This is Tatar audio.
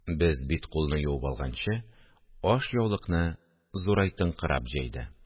Без бит-кулны юып алганчы, ашъяулыкны зурайтынкырап җәйде